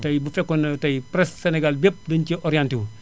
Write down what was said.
tey bu fekkoon ne tey presse Sénégal bépp dañu cee orienté wu